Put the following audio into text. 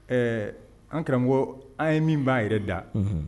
Ɛɛ an karamɔgɔko an ye min b'a yɛrɛ da